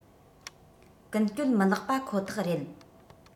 ཀུན སྤྱོད མི ལེགས པ ཁོ ཐག རེད